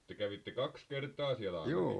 te kävitte kaksi kertaa siellä Amerikassa